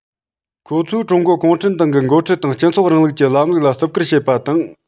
ཁོ ཚོས ཀྲུང གོ གུང ཁྲན ཏང གི འགོ ཁྲིད དང སྤྱི ཚོགས རིང ལུགས ཀྱི ལམ ལུགས ལ བརྩི བཀུར བྱེད པ དང